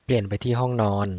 เปลี่ยนไปที่ห้องนอน